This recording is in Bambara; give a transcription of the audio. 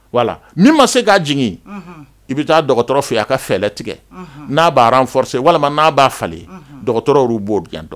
Wala min ma se k ka jigin i bɛ taa dɔgɔtɔrɔ fɛ' ka fɛlɛ tigɛ n'a b' fɔ se walima n'a'a falen dɔgɔtɔrɔ y' b'o gɛn dɔn